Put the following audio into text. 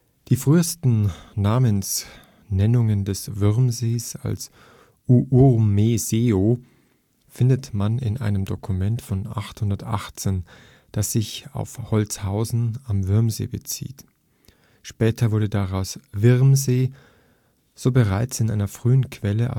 Die frühesten Namensnennungen des Würmsees als Uuirmseo findet man in einem Dokument von 818, das sich auf Holzhausen am Würmsee bezieht. Später wurde daraus Wirmsee, so bereits in einer frühen Quelle